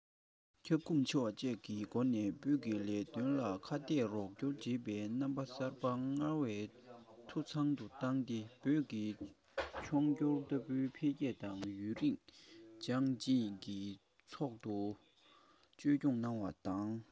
ཁྱབ ཁོངས ཆེ བ བཅས ཀྱི སྒོ ནས བོད ཀྱི ལས དོན ལ ཁ གཏད རོགས སྐྱོར བྱེད པའི རྣམ པ གསར པ སྔར བས འཐུས ཚང དུ བཏང སྟེ བོད ཀྱི མཆོང སྐྱོད ལྟ བུའི འཕེལ རྒྱས དང ཡུན རིང དབྱང ཅིན གྱིས ཚོགས འདུ གཙོ སྐྱོང གནང བ དང